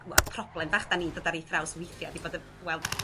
wel problem fach 'da ni'n dod ar ei thraws withia' ydi bod y... wel...